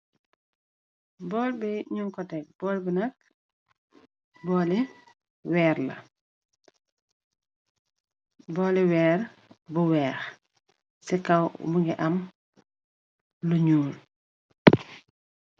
Bóól bi ñing ko tèk bóól bi nak bóóli wèèr la ci kaw mu ngi am lu ñuul.